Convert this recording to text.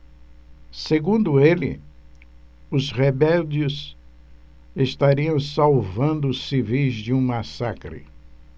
segundo ele os rebeldes estariam salvando os civis de um massacre